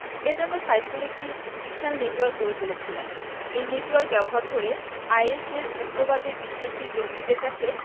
এ জন্য সাইফুল একটি বিশাল নেটওয়ার্ক গড়ে তুলেছিলেন এই নেটওয়ার্ক ব্যবহার করে আইএসের উগ্রবাদে বিশ্বাসী জঙ্গিদের কাছে